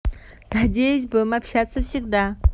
надеюсь будем общаться всегда